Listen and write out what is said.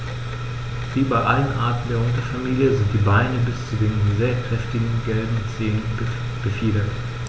Wie bei allen Arten der Unterfamilie sind die Beine bis zu den sehr kräftigen gelben Zehen befiedert.